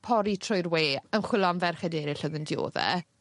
pori trwy'r we yn chwilo am ferched eryll odd yn diodde.